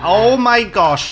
Oh my gosh!